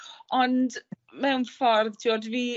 ond mewn ffordd t'wod, fi